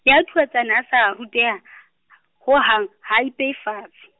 ya Thuntshane a sa, ruteha , ho hang, ha a I peye fatse.